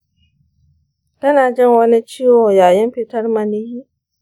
kana jin wani ciwo yayin fitar maniyyi?